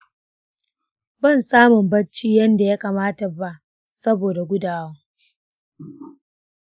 ban samu barci yadda ya kamata ba saboda gudawa.